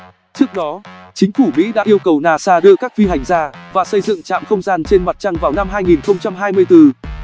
trước đó chính phủ mỹ đã yêu cầu nasa đưa các phi hành gia và xây dựng trạm không gian trên mặt trăng vào năm